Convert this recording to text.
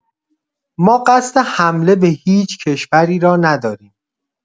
ما قصد حمله به هیچ کشوری را نداریم.